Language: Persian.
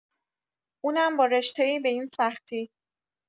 اونم با رشته‌ای به این سختی